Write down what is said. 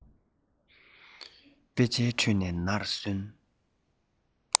དཔེ ཆའི ཁྲོད ནས ནར སོན